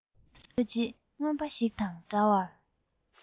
བཟོས རྗེས རྔོན པ ཞིག དང འདྲ བར